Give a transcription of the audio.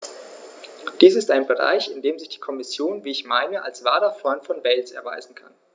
Dies ist ein Bereich, in dem sich die Kommission, wie ich meine, als wahrer Freund von Wales erweisen kann.